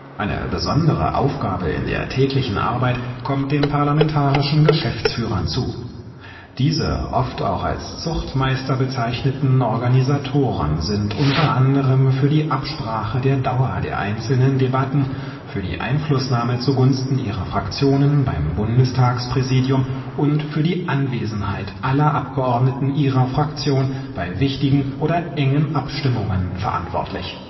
Eine besondere Aufgabe in der täglichen Arbeit kommt den Parlamentarischen Geschäftsführern zu: Diese oft auch als „ Zuchtmeister “bezeichneten Organisatoren sind unter anderem für die Absprache der Dauer der einzelnen Debatten, für die Einflussnahme zugunsten ihrer Fraktionen beim Bundestagspräsidium und für die Anwesenheit aller Abgeordneten ihrer Fraktion bei wichtigen oder engen Abstimmungen verantwortlich